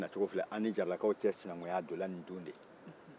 sinakunya nacogo filɛ an ni jaarakaw cɛ sinakunya donna nin don de